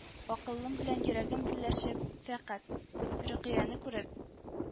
Акылым белән йөрәгем берләшеп, фәкать... рөкыяне күреп